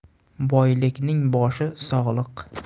boylikning boshi sog'liq